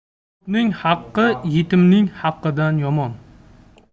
ko'pning haqi yetimning haqidan yomon